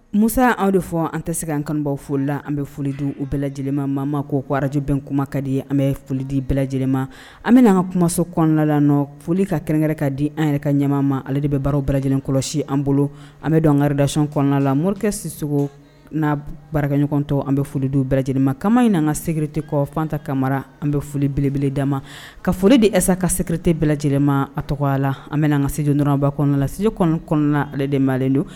Muso anw de fɔ an tɛ se an kanbaw foli la an bɛ foli di u bɛɛ lajɛlenma maa k koo ko arajbɛn kuma ka di an bɛ foli di bɛɛ lajɛlenma an bɛ an ka kumaso kɔnɔnala nɔ foli ka kɛrɛnkɛrɛn ka di an yɛrɛ ɲɛmaa ma ale de bɛ baara bɛɛ lajɛlen kɔlɔsi an bolo an bɛ don an garidy kɔnɔna la morikɛ sicogo n' baaraɲɔgɔntɔ an bɛ folido bɛɛ lajɛlenma kama in na an ka segte kɔfanta kamara an bɛ foli belebele da ma ka foli dessa ka segrɛrete bɛɛ lajɛlenma a tɔgɔ la an bɛ ka studi dɔrɔnba kɔnɔ la sdi kɔnɔna kɔnɔna ale de maale don